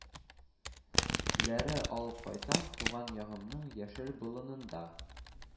Ләре алып кайтам: туган ягымның яшел болынында